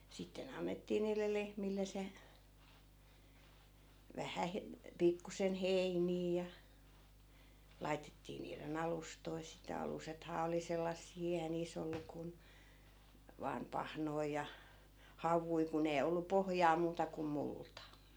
sitten annettiin niille lehmille se vähän - pikkuisen heiniä ja laitettiin niiden alustoja sitä alusethan oli sellaisia eihän niissä ollut kuin vain pahnoja ja havuja kun ei ollut pohjaa muuta kuin multa